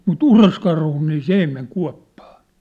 mutta uroskarhu niin se ei mene kuoppaan